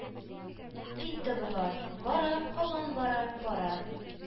Китте болар. Бара, һаман бара, бара, —